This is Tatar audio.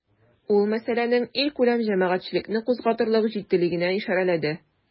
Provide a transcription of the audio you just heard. Ул мәсьәләнең илкүләм җәмәгатьчелекне кузгатырлык җитдилегенә ишарәләде.